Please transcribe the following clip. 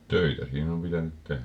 töitä siinä on pitänyt tehdä